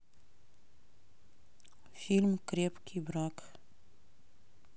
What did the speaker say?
фильм крепкий брак